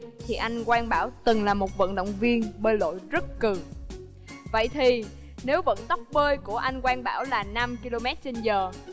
thì anh quang bảo từng là một vận động viên bơi lội rất cừ vây thì nếu vận tốc bơi của anh quang bảo là năm ki lô mét trên giờ